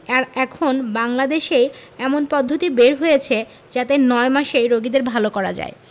আর এখন বাংলাদেশই এমন পদ্ধতি বের করেছে যাতে ৯ মাসেই রোগীদের ভালো করা যায়